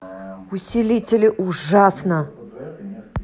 усилители ужасно